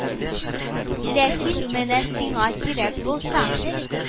Ләкин менә сиңа кирәк булса